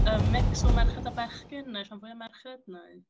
yy mix o merched a bechgyn, neu rhan fwya merched, neu...